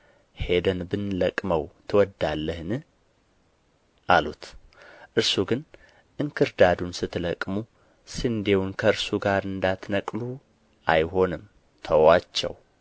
ሄደን ብንለቅመው ትወዳለህን አሉት እርሱ ግን እንክርዳዱን ስትለቅሙ ስንዴውን ከእርሱ ጋር እንዳትነቅሉት አይሆንም ተዉአቸው